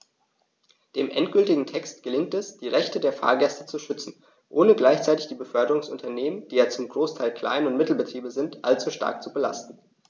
Dem endgültigen Text gelingt es, die Rechte der Fahrgäste zu schützen, ohne gleichzeitig die Beförderungsunternehmen - die ja zum Großteil Klein- und Mittelbetriebe sind - allzu stark zu belasten.